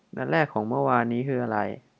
นัดแรกของเมื่อวานนี้คืออะไร